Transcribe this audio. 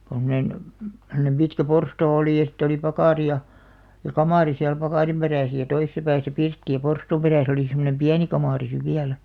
tuommoinen semmoinen pitkä porstua oli ja sitten oli pakari ja ja kamari siellä pakarin perässä ja toisessa päässä pirtti ja porstuan perässä oli semmoinen pieni kamari sitten vielä